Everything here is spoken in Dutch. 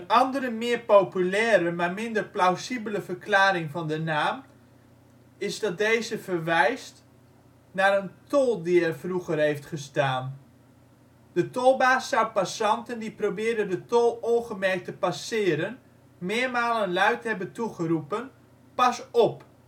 andere meer populaire, maar minder plausibele verklaring van de naam, is deze verwijst naar een tol die er vroeger heeft gestaan. De tolbaas zou passanten die probeerden de tol ongemerkt te passeren meermalen luid hebben toegeroepen: " Pas op